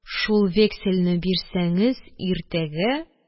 Шул вексельне бирсәңез иртәгә